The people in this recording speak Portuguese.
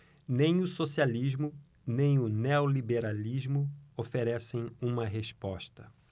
nem o socialismo nem o neoliberalismo oferecem uma resposta